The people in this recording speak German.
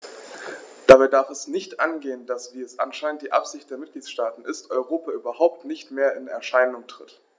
Dabei darf es nicht angehen, dass - wie es anscheinend die Absicht der Mitgliedsstaaten ist - Europa überhaupt nicht mehr in Erscheinung tritt.